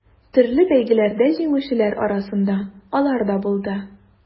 Төрле бәйгеләрдә җиңүчеләр арасында алар да булды.